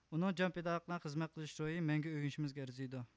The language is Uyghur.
ئۇنىڭ جان پىدالىق بىلەن خىزمەت قىلىش روھى مەڭگۈ ئۆگىنىشىمىزگە ئەرزىيدۇ